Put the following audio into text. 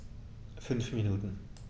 5 Minuten